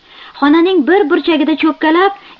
xonaning bir burchagida cho'kkalab